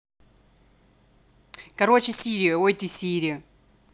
короче сири ой ты сири